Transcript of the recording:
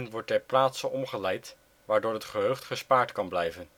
wordt ter plaatse omgeleid waardoor het gehucht gespaard kan blijven